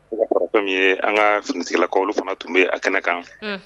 Ye an ka ftigikaw fana tun bɛ a kɛnɛ kan